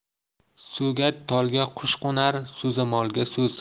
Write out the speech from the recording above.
so'gat tolga qush qo'nar so'zamolga so'z